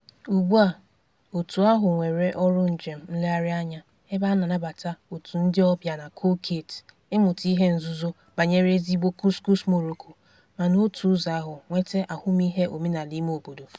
Ugbua òtù ahụ nwere ọrụ njem nlegharịanya ebe a na-anabata òtù ndị ọbịa na Khoukhate ịmụta ihe nzuzo banyere ezigbo Couscous Morocco, ma n'otu ụzọ ahụ nweta ahụmiihe omenala imeobodo.